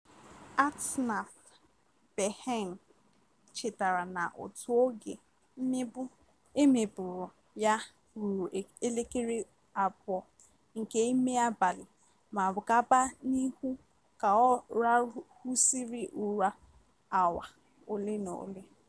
Atnaf Berhane chetara na otu oge mmegbu e megburu ya ruru elekere 2 nke ime abalị ma gaba n'ihu ka ọ rahụsịrị ụra awa ole na ole.